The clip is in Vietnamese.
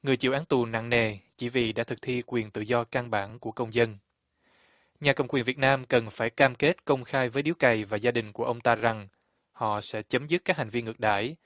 người chịu án tù nặng nề chỉ vì đã thực thi quyền tự do căn bản của công dân nhà cầm quyền việt nam cần phải cam kết công khai với điếu cày và gia đình của ông ta rằng họ sẽ chấm dứt các hành vi ngược đãi